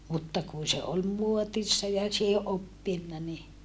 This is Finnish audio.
mutta kun se oli muodissa ja siihen oppinut niin